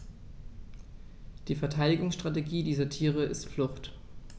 Die Verteidigungsstrategie dieser Tiere ist Flucht.